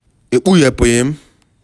Ekpughepughi m."